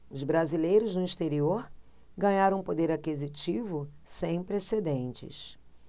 os brasileiros no exterior ganharam um poder aquisitivo sem precedentes